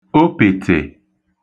opètè